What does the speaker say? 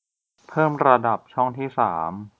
เพิ่มระดับช่องที่สาม